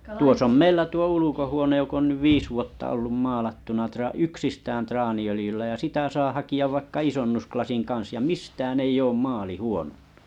tuossa on meillä tuo ulkohuone joka on nyt viisi vuotta ollut maalattuna - yksistään traaniöljyllä ja sitä saa hakea vaikka isonnuslasin kanssa ja mistään ei ole maali huononnut